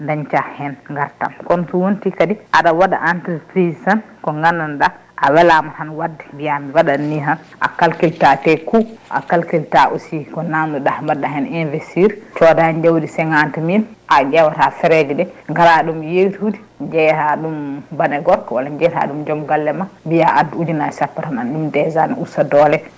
dañca hen gartam kono so wonti kadi aɗa waɗa entreprise tan ko gandanɗa a weelama tan wadde mbiya mi waɗat ni tan a cacule ta tes coûts a calcule ta aussi ko nannuɗa mbaɗɗa hen investir sooda jaawdi cinquante mille a ƴewata frais ji ɗi gara ɗum yeytude jeeyaɗum baane gorko walla jeeytaɗum joom galle ma mbiya addu ujnunaje sappo tan andi ɗum déjà ne usta doole